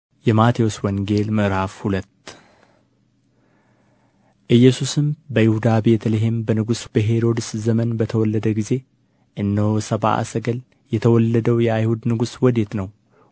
﻿የማቴዎስ ወንጌል ምዕራፍ ሁለት ኢየሱስም በይሁዳ ቤተ ልሔም በንጉሡ በሄሮድስ ዘመን በተወለደ ጊዜ እነሆ ሰብአ ሰገል የተወለደው የአይሁድ ንጉሥ ወዴት ነው